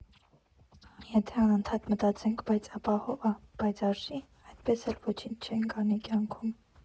Եթե անընդհատ մտածենք՝ բայց ապահո՞վ ա, բայց արժի՞, այդպես էլ ոչինչ չենք անի կյանքում։